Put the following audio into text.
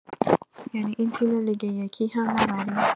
یعنی این تیم لیگ یکی هم نبریم؟